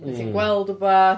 Neu ti'n gweld wbath.